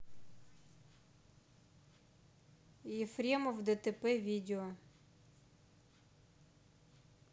ефремов дтп видео